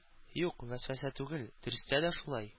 Юк, вәсвәсә түгел, дөрестә дә шулай.